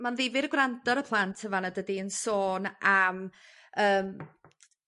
Ma'n ddifyr gwrando ar y plant yn fanna dydi yn sôn am yym